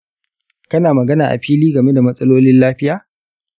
kana magana a fili game da matsalolin lafiya?